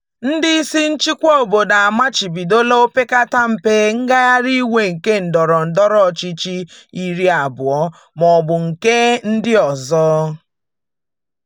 Ndị isi nchịkwa obodo amachidoola opekatampe ngagharị iwe nke ndọrọndọrọ ọchịchị 20 ma ọ bụ nke ndị ozọ.